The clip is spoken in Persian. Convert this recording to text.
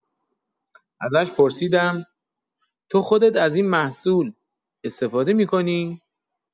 ازش پرسیدم: تو خودت از این محصول استفاده می‌کنی؟